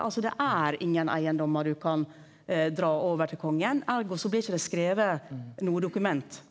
altså det er ingen eigedomar du kan dra over til kongen, ergo så blir ikkje det skrive noko dokument.